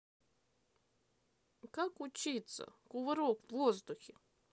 как учиться кувырок в воздухе